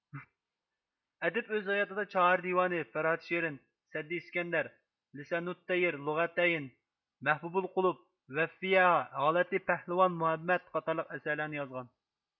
ئەدىب ئۆز ھاياتىدا چاھار دىۋانى فەرھاد شېرىن سەددى ئىسكەندەر لىسانۇتتەير لۇغەتەين مەھبۇبۇل قۇلۇپ ۋەففىيە ھالەتى پەھلىۋان مۇھەممەد قاتارلىق ئەسەرلەرنى يازغان